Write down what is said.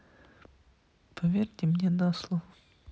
поверьте мне на слово